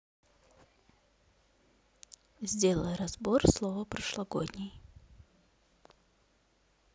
сделай разбор слова прошлогодний